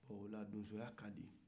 bon ola donsoya kadi